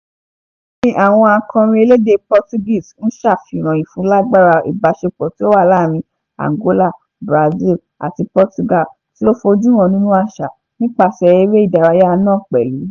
Orin àwọn akọrin elédè Portuguese ń ṣàfihàn ìfúnlágbára ìbáṣepọ̀ tí ó wà láàárín Angola, Brazil àti Portugal — tí ó fojú hàn nínú àṣà, nípasẹ̀ eré ìdárayá náà pẹ̀lú.